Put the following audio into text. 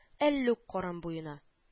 Әллүк каран буена